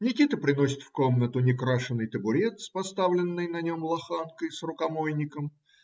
Никита приносит в комнату некрашеный табурет с поставленной на нем лоханкой с рукомойником.